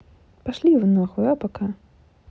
пошли его нахуй а пока